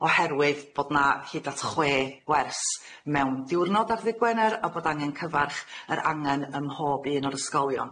oherwydd bod 'na hyd at chwe gwers mewn diwrnod ar ddydd Gwener a bod angen cyfarch yr angen ym mhob un o'r ysgolion.